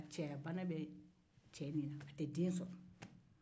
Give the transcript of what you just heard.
cɛyabana bɛ cɛ la a tɛ den sɔrɔ